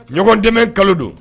Ɲɔgɔn dɛmɛ kalo don.